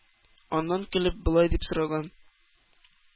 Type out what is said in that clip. Аннан көлеп болай дип сораган: